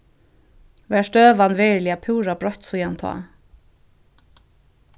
var støðan veruliga púra broytt síðani tá